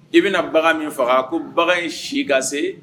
I bi na bagan min faga ko bagan in si ka se